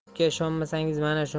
uka ishonmasangiz mana shu